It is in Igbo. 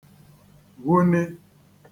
wuni